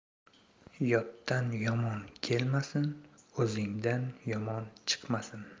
yotdan yomon kelmasin o'zingdan yomon chiqmasin